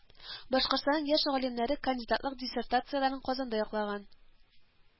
Башкортсанның яшь галимнәре кандидатлык диссертацияләрен Казанда яклаган